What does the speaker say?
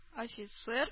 Офицер